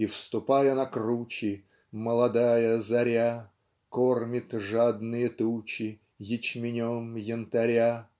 И, вступая на кручи, Молодая заря Кормит жадные тучи Ячменем янтаря.